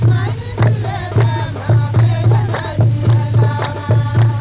maa y'i tile kɛ maa kelen tɛ diɲɛ laban